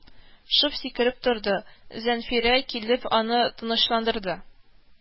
Шып сикереп торды, зәнфирә килеп аны тынычландырды,